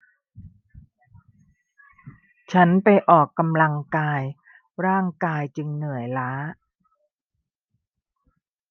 ฉันไปออกกำลังกายร่างกายจึงเหนื่อยล้า